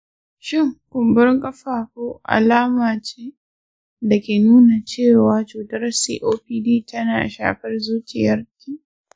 shin kumburin ƙafafu alama ce da ke nuna cewa cutar copd tana shafar zuciyarki ?